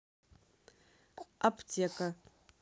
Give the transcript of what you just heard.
аптека